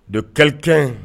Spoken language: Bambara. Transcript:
Don kalikɛ